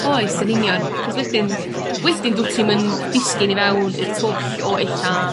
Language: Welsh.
Oes yn union 'c'os wedyn wedyn dwt ti'm yn disgyn i fewn i'r twll o ella